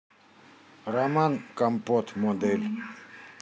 роман компот модель